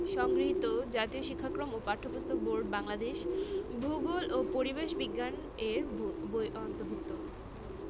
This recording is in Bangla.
সংগৃহীত জাতীয় শিক্ষাক্রম ও পাঠ্যপুস্তক বোর্ড বাংলাদেশ ভূগোল ও পরিবেশ বিজ্ঞান এর বই অন্তর্ভুক্ত